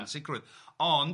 ansicrwydd ond